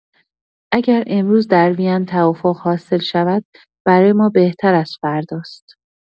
اگر امروز در وین توافق حاصل شود برای ما بهتر از فرداست.